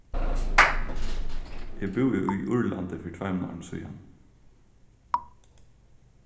eg búði í írlandi fyri tveimum árum síðan